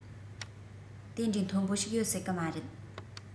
དེ འདྲའི མཐོན པོ ཞིག ཡོད སྲིད གི མ རེད